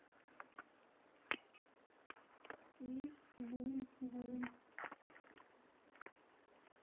мисс бум бум